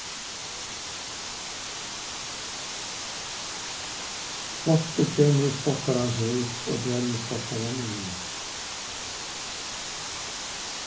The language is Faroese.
spottið kemur í spottarans hús og brennir spottaran inni